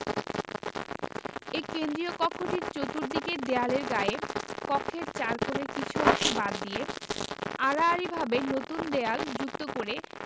এ কেন্দ্রীয় কক্ষটির চর্তুদিকের দেয়ালের গায়ে কক্ষের চার কোণের কিছু অংশ বাদ দিয়ে আড়াআড়ি ভাবে নতুন দেয়াল যুক্ত করে